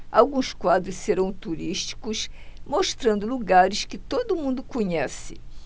alguns quadros serão turísticos mostrando lugares que todo mundo conhece